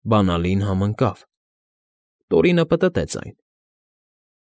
Բանալին համընկավ։ Տորինը պտտեց այն։